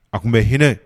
A tun bɛ hɛrɛ